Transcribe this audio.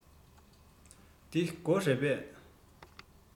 འདི སྒོ རེད པས